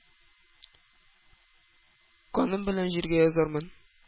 Каным белән җиргә язармын».